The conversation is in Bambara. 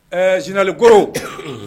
Ɛɛ Général - gordon